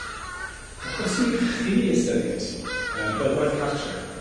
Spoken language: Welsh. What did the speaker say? a cwestiwn i chi ystyried yym fel gwaith cartre